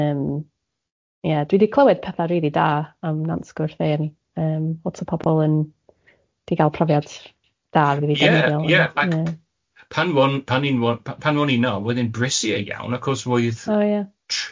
...yym ie dwi di clywed petha rili da am Nant Gwrtheuyn yym lot o pobl yn di gael profiad da... yeah yeah ac ac pan pan o'n pan o- o ni na oedd tri cwrs... Oh ia.